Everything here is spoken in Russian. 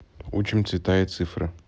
учим цвета и цифры